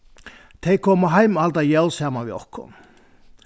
tey koma heim at halda jól saman við okkum